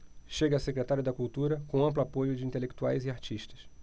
chega a secretário da cultura com amplo apoio de intelectuais e artistas